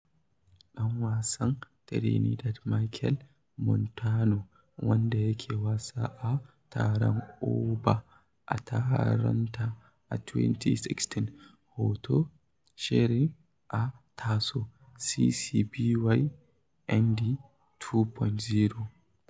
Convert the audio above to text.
ɗan wasan Trinidad Machel Montano wanda yake wasa a taron OɓO a Toronto a 2016. HOTO: Shirin a taso (CC BY-ND 2.0)